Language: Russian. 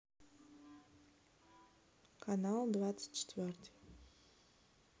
канал двадцать четвертый